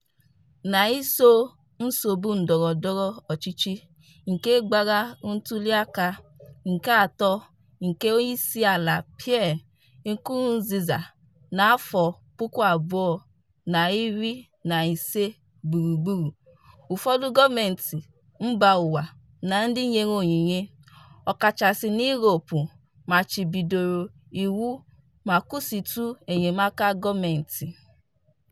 N'iso nsogbu ndọrọndọrọ ọchịchị nke gbara ntuliaka nke atọ nke onyeisiala Pierre Nkurunziza na 2015 gburugburu, ụfọdụ gọọmentị mbaụwa na ndị nyere onyinye, ọkachasị n'Europe, machibidoro iwu ma kwụsịtụ enyemaka gọọmentị.